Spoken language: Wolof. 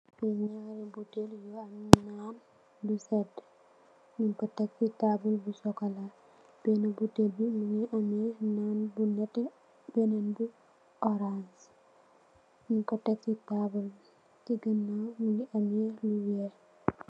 Fii njaari butehll yu am nan yu sedue, njung kor tek cii taabul bu chocolat, benah butehll bii mungy ameh nan bu nehteh, benen bii ohrance njung kor tek cii taabul bii, cii ganaw mungy ameh lu wekh.